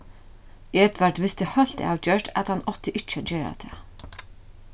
edvard visti heilt avgjørt at hann átti ikki at gera tað